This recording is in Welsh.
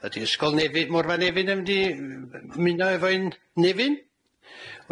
Ydi Ysgol Nefy- Morfa Nefyn yn mynd i yym yy ymuno efo un Nefyn?